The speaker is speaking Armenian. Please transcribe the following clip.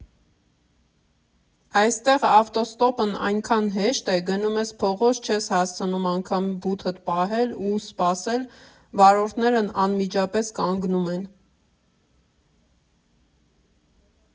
Այստեղ ավտոստոպն այնքան հեշտ է, գնում ես փողոց, չես հասցնում անգամ բութդ պահել ու սպասել, վարորդներն անմիջապես կանգնում են։